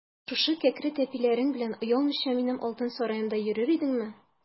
Шушы кәкре тәпиләрең белән оялмыйча минем алтын сараемда йөрер идеңме?